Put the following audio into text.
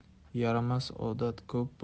yaramas odat ko'p